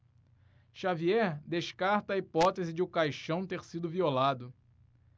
xavier descarta a hipótese de o caixão ter sido violado